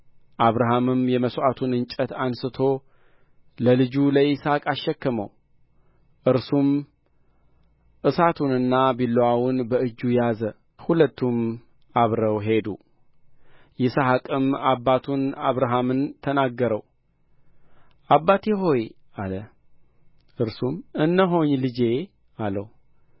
አብርሃምም የመሥዋዕቱን እንጨት አንሥቶ ለልጁ ለይስሐቅ አሸከመው እርሱም እሳቱንና ቢላዋውን በእጁ ያዘ ሁለቱም አብረው ሄዱ ይስሐቅም አባቱን አብርሃምን ተናገረው አባቴ ሆይ አለ እርሱም እነሆኝ ልጄ አለው